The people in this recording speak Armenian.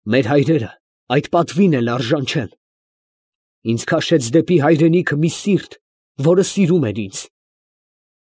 Մեր հայրերը այդ պատվին էլ արժան չեն։ Ինձ քաշեց դեպի հայրենիքը մի սիրտ, որը սիրում էր ինձ։